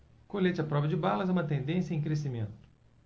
colete à prova de balas é uma tendência em crescimento